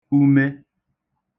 ume